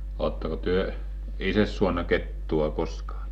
oletteko te itse saanut kettua koskaan